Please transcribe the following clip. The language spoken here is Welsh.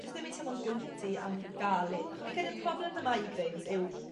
jys ddim i timlo'n guilty am ga'l un acho fi'n credu'r problem 'dy migraines yw